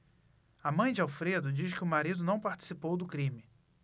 a mãe de alfredo diz que o marido não participou do crime